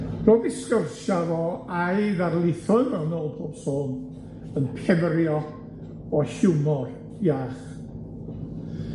Ro'dd 'i sgwrsia' fo a'i ddarlithoedd mewn ôl bob sôn yn pefrio o hiwmor iach.